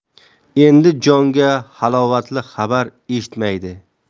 endi jonga halovatli xabar eshitmaydi